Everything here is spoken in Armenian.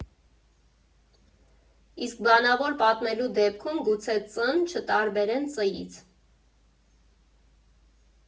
Իսկ բանավոր պատմելու դեպքում գուցե Ծ֊ն չտարբերեն Ց֊ից։